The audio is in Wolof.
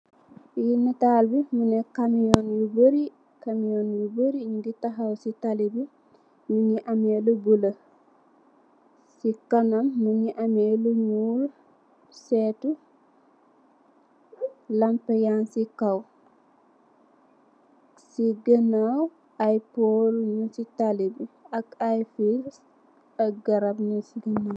Fii nataal bi kabiyóng yu bëei ñu ngi taxaw si tali bi, ñu ngi amee lu buloo. Si kanam, mu ngi ame lu ñuul, séétu, lampa yañg si kow. Si ganaaw, ay pool, ñung si ganaaw ak ay fiil.